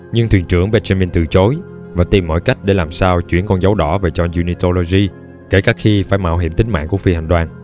nhưng thuyền trưởng benjamin từ chối và tìm mọi cách để làm sao chuyển con dấu đỏ về cho unitology kể cả khi phải mạo hiểm tính mạng của phi hành đoàn